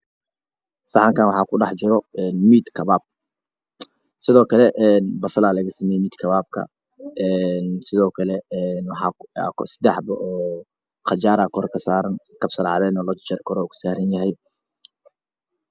Sacankan wax ku dhex jiro miid kawab Sido kale een basal laga sameyay miid kawabka een Sido kale een sedexabo oo qajar kor ka saran kabsar caleen o la jarjaryne kor ayu ka saran yhy